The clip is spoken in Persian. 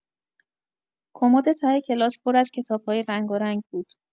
کمد ته کلاس پر از کتاب‌های رنگارنگ بود.